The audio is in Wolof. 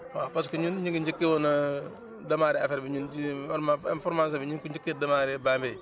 waaw parce que ñun ñu ngi njëkkee woon démarré affaire bi ñun ci ñun information bi énu ngi ko njëkkee démarré Bambey